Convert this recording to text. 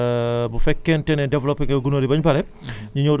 donc bu fekkente ne développé nga gunóor yi ba ñu pare